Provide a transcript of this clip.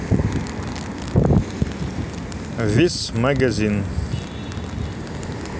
this magazine